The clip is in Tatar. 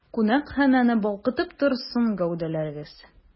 Кунакханәне балкытып торсын гәүдәләрегез!